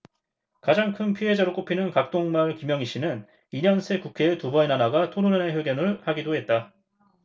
가장 큰 피해자로 꼽히는 각동마을 김영희씨는 이 년 새 국회에 두 번이나 나가 토론회 회견을 하기도 했다